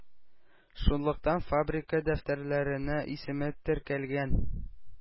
Шунлыктан фабрика дәфтәрләренә исеме теркәлгән